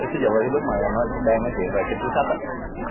ờ thí dụ cái lúc mà đang nói chuyện về cái túi xách á